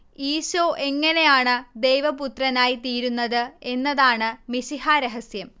ഈശോ എങ്ങനെയാണ് ദൈവപുത്രനായി തീരുന്നത് എന്നതാണ് മിശിഹാരഹസ്യം